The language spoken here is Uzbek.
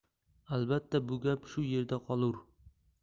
albatta bu gap shu yerda qolur